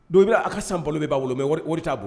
Dɔ bɛ yen a ka san balo bɛɛ b'a bolo, mais wari t'a bɔlo!